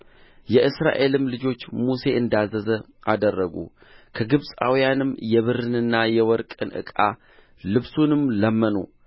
የእስራኤልም ልጆች ሙሴ እንዳዘዘ አደረጉ ከግብፃውያንም የብርንና የወርቅን ዕቃ ልብስንም ለመኑ